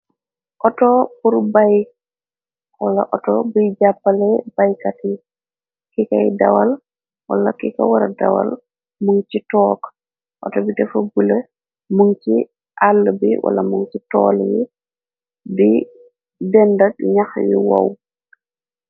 auto buru bayxola auto biy jàppale baykat yi ki kay dawal wala ki ko wara dawal mun ci took auto bi defa bule mun ci àll bi wala mun ci tool yi di denda ñax yu wow.